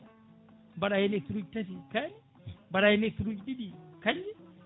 mbaɗa hen hectares tati kaane mbaɗa hen hectares uji ɗiɗi kanjje